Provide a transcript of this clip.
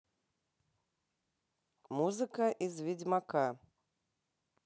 музыка из ведьмака